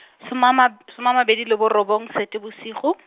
some a mab-, soma a mabedi le bo robong Seetebosigo .